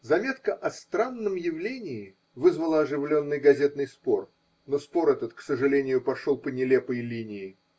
Заметка о странном явлении вызвала оживленный газетный спор, но спор этот, к сожалению, пошел по нелепой линии.